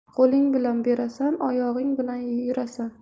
qo'ling bilan berasan oyog'ing bilan yurasan